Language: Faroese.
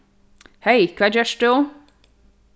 hey hvat gert tú